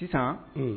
Sisan